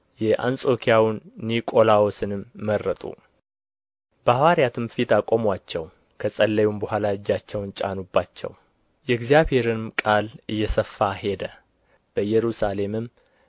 የአንጾኪያውን ኒቆላዎስንም መረጡ በሐዋርያትም ፊት አቆሙአቸው ከጸለዩም በኋላ እጃቸውን ጫኑባቸው የእግዚአብሔርም ቃል እየሰፋ ሄደ በኢየሩሳሌምም